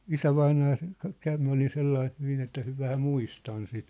isävainaja se - kävi minä olin sellainen hyvin että - vähän muistan sitä